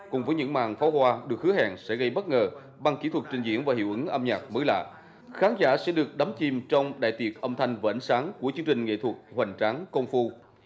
cùng với những màn pháo hoa được hứa hẹn sẽ gây bất ngờ bằng kỹ thuật trình diễn và hiệu ứng âm nhạc mới lạ khán giả sẽ được đắm chìm trong đại tiệc âm thanh và ánh sáng của chương trình nghệ thuật hoành tráng công phu